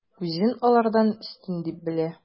Үзен алардан өстен дип белә.